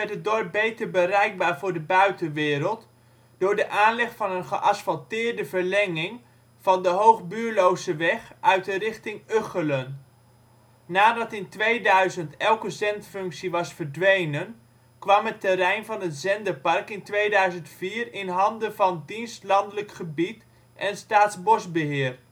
het dorp beter bereikbaar voor de buitenwereld door de aanleg van een geasfalteerde verlenging van de Hoog Buurloseweg uit de richting Ugchelen. Nadat in 2000 elke zendfunctie was verdwenen kwam het terrein van het zenderpark in 2004 in handen van Dienst Landelijk Gebied (DLG) en Staatsbosbeheer